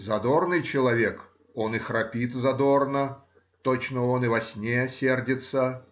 задорный человек — он и храпит задорно, точно он и во сне сердится